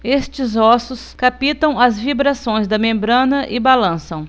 estes ossos captam as vibrações da membrana e balançam